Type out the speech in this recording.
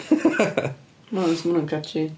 Mae hwnna'n swnio'n catchy